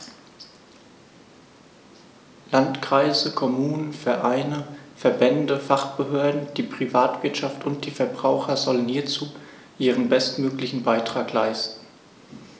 Landkreise, Kommunen, Vereine, Verbände, Fachbehörden, die Privatwirtschaft und die Verbraucher sollen hierzu ihren bestmöglichen Beitrag leisten.